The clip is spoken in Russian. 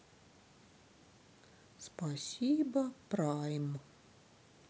спасибо прайм